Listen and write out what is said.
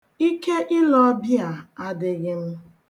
Ike ile ọbịa adịghị m.